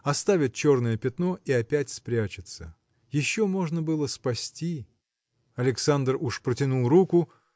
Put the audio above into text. оставит черное пятно и опять спрячется. Еще можно было спасти. Александр уже протянул руку